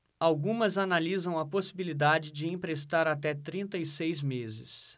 algumas analisam a possibilidade de emprestar até trinta e seis meses